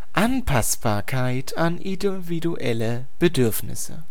Anpassbarkeit an individuelle Bedürfnisse